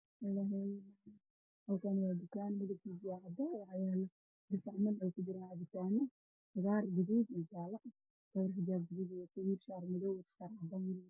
Meeshaan waxaa yaalla boorso kalarkeedu tahay buluug waxaana ka buuxa dhar OO wasaq ah